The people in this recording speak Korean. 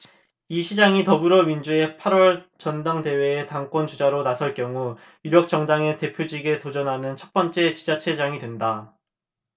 이 시장이 더민주의 팔 월 전당대회에 당권 주자로 나설 경우 유력 정당의 대표직에 도전하는 첫번째 지자체장이 된다